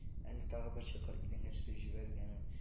Әллә тагы бер чокыр идәнгә төшереп җибәрергәме